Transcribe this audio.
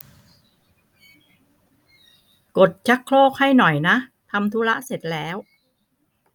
กดชักโครกให้หน่อยนะทำธุระเสร็จแล้ว